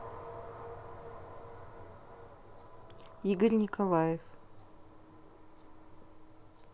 игорь николаев